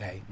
eyyi